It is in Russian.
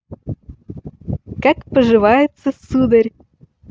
как поживается сударь